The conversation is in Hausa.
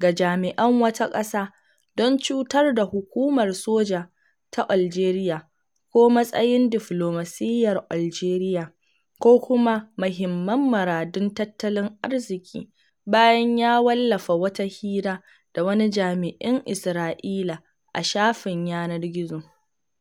ga jami’an wata ƙasa don cutar da hukumar soja ta Aljeriya ko matsayin diflomasiyyar Aljeriya ko kuma mahimman muradun tattalin arziƙi” bayan ya wallafa wata hira da wani jami’in Isra’ila a shafin yanar gizo.